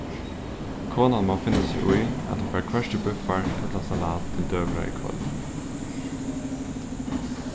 konan má finna seg í at hon fær hvørki búffar ella salat til døgurða í kvøld